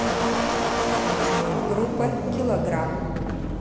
группа килограмм